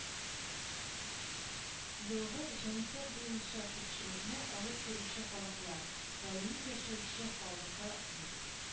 2002 елгы җанисәп буенча күпчелекне алып торучы халыклар: даими яшәүче халкы юк